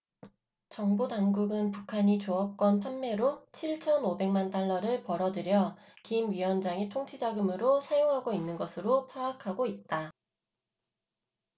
정보당국은 북한이 조업권 판매로 칠천 오백 만 달러를 벌어들여 김 위원장의 통치자금으로 사용하고 있는 것으로 파악하고 있다